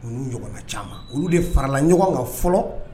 U ɲɔgɔnna caman olu de farala ɲɔgɔn kan fɔlɔ